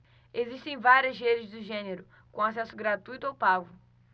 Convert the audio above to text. existem várias redes do gênero com acesso gratuito ou pago